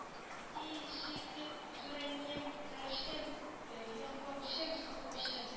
И-и сөекле зурәнием фәрештәм яклаучым саклаучым